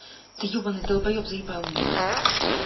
ты ебаный долбоеб заебал меня